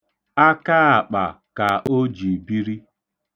Akaakpa ka o ji biri.